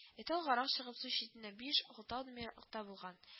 Эте алгарак чыгып су читеннән биш—алты адым ераклыкта булган